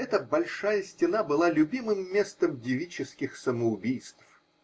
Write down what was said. Эта большая стена была любимым местом девических самоубийств.